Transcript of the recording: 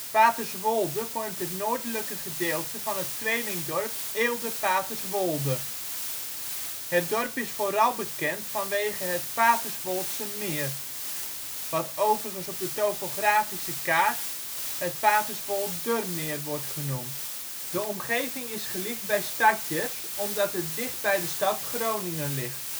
Paterswolde vormt het noordelijke gedeelte van het tweelingdorp Eelde-Paterswolde. Het dorp is vooral bekend vanwege het Paterswoldsemeer, wat overigens op de topografische kaart het Paterswoldermeer wordt genoemd. De omgeving is geliefd bij stadjers omdat het dicht bij de stad Groningen ligt